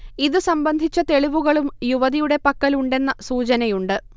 ഇത് സംബന്ധിച്ച തെളിവുകളും യുവതിയുടെ പക്കലുണ്ടെന്ന സൂചനയുണ്ട്